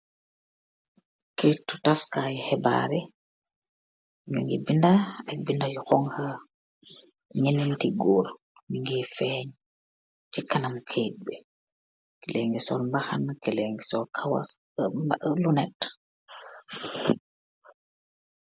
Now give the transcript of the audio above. Keitu tass kaii hibarr yi, nju ngii binda iiy binda yu honha, njeh nenti gorr nju ngeh fengh chi kanam keit bii, ki leh ngi sol mbahanah, keleu ngi sol lunett.